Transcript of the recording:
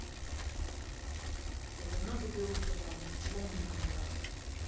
я давно заберу сказал он ничего не помогал меня